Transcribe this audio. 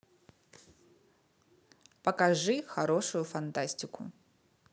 покажи хорошую фантастику